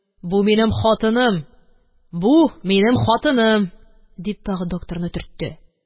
– бу – минем хатыным, бу – минем хатыным! – дип, тагы докторны төртте